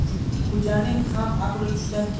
aqli tushdan keyin kiradi